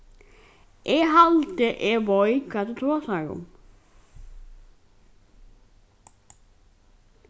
eg haldi eg veit hvat tú tosar um